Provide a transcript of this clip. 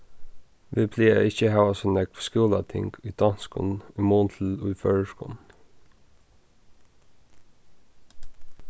vit plaga ikki at hava so nógv skúlating í donskum í mun til í føroyskum